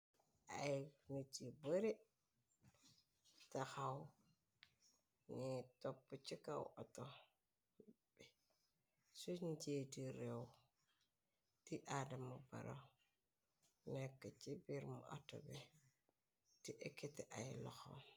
Ay gorop ci bare taxaw, ñi toppu ci kaw ooto, suñ njeeti réew di Adama Barrow nekk ci biir ootobe di ekite ay loxoom.